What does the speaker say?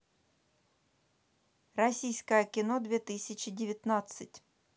российское кино две тысячи девятнадцать